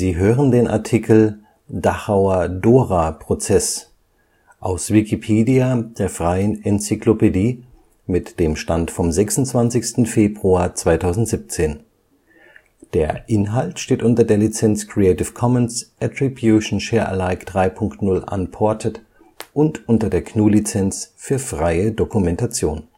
hören den Artikel Dachauer Dora-Prozess, aus Wikipedia, der freien Enzyklopädie. Mit dem Stand vom Der Inhalt steht unter der Lizenz Creative Commons Attribution Share Alike 3 Punkt 0 Unported und unter der GNU Lizenz für freie Dokumentation